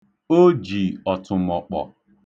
O ji ọtụmọkpọ.